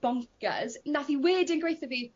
boncyrs. Nath 'i wedyn gweu' 'tho fi